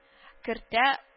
Ертә